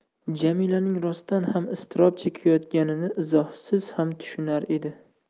jamilaning rostdan ham iztirob chekayotganini izohsiz ham tushunar edi